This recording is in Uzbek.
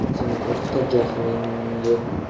zamon seni o'qitar johilliging yo'q etar